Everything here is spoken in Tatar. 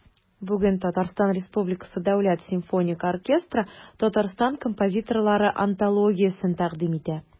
Бүген ТР Дәүләт симфоник оркестры Татарстан композиторлары антологиясен тәкъдим итә.